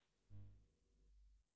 секс чтобы выжить